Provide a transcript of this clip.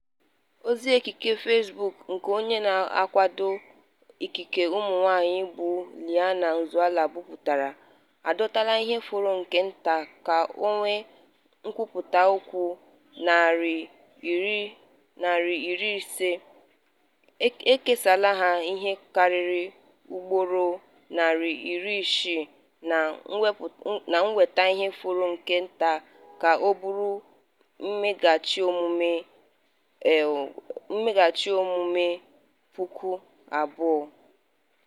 Ozi ekele Facebook nke onye na-akwado ikike ụmụnwaanyị bụ Eliana Nzualo bipụtara, a dọtala ihe fọrọ nke nta ka o nwe nkwupụta okwu 450, e kesaala ya ihe karịrị ugboro 460, ma nweta ihe fọrọ nke nta ka ọ bụrụ mmeghachi omume 2,000: